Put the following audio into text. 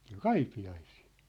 sitä oli Kaipiaisiin